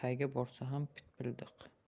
qayga borsa bitbildiq